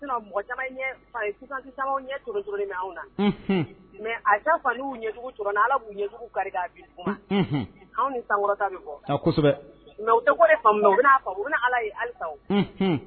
Sinon mɔgɔ caman ɲɛ fayi puissance caman ɲɛ coroncoronne be anw na unhun mais à chaque fois n'u y'u ɲɛjugu cor'an na Ala b'u ɲɛjugu kari k'a bin duguma unhun anw ni saŋɔrɔta bɛ bɔ a kosɛbɛ mais u te ko de faamu mais u ben'a faamu u bena Ala ye halisa o unhun